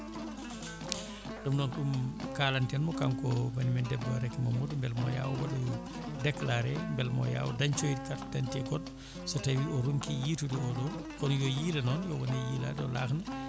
ɗum noon ko ɗum kalantenmo kanko banimen debbo o Raky Mamadou beele mo yaa o waɗoya déclaré beele mo yaw o dañcoyde carte d' identité goɗɗo so tawi o ronki yitude oɗon kono yo yiile noon yo woon e yiilade o lakna